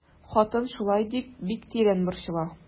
Хатын шулай дип бик тирән борчыла.